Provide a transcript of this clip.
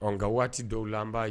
Nka nka waati dɔw an'a